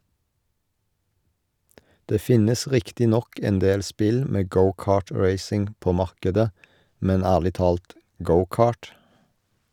Det finnes riktig nok endel spill med go-cart-racing på markedet, men ærlig talt - go-cart?